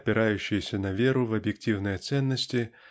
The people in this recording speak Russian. опирающаяся на веру в объективные ценности